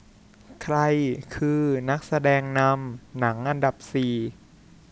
ใครคือนักแสดงนำหนังอันดับสี่